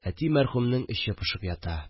Әти мәрхүмнең эче пошып ята